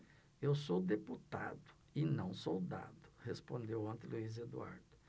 eu sou deputado e não soldado respondeu ontem luís eduardo